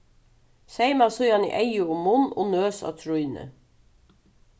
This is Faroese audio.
seyma síðan eygu og munn og nøs á trýnið